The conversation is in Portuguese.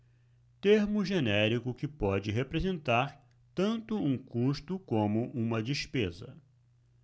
termo genérico que pode representar tanto um custo como uma despesa